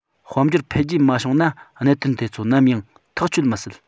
དཔལ འབྱོར འཕེལ རྒྱས མ བྱུང ན གནད དོན དེ ཚོ ནམ ཡང ཐག ཆོད མི སྲིད